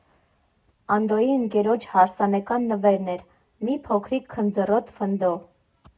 Անդոյի ընկերոջ հարսանեկան նվերն էր՝ մի փոքրիկ քնձռոտ ֆնդո։